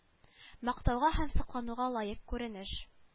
Мактауга һәм соклануга лаек күренеш